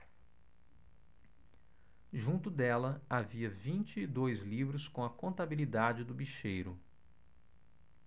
junto dela havia vinte e dois livros com a contabilidade do bicheiro